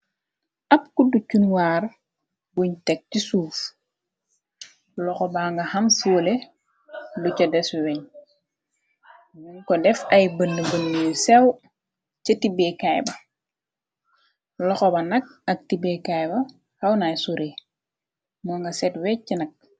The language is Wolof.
Ab kuddu chunwaar buñ teg ci suuf, loxo ba nga am foole lusa des weeñ bun ko def ay bënd bënnu yu sew, ca tibekaay ba loxo ba nag ak tibeekaay ba xawnaay soree moo nga set weej cha nag.